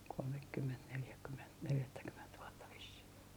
kolmekymmentä neljäkymmentä neljättäkymmentä vuotta vissiin